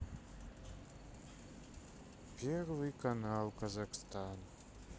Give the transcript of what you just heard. первый канал казахстан